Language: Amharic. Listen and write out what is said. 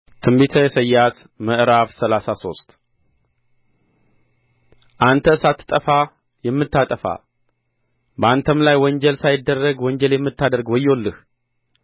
ትንቢተ ኢሳይያስ ምዕራፍ ሰላሳ ሶስት አንተ ሳትጠፋ የምታጠፋ በአንተም ላይ ወንጀል ሳይደረግ ወንጀል የምታደርግ ወዮልህ